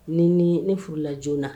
Ni ni ne furula joona na